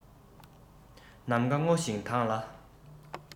ནམ མཁའ སྔོ ཞིང དྭངས ལ